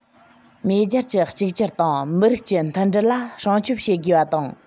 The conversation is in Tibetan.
མེས རྒྱལ གྱི གཅིག གྱུར དང མི རིགས ཀྱི མཐུན སྒྲིལ ལ སྲུང སྐྱོབ བྱེད དགོས པ དང